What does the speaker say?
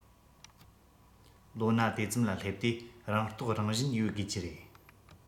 ལོ ན དེ ཙམ ལ སླེབས དུས རང རྟོགས རང བཞིན ཡོད དགོས ཀྱི རེད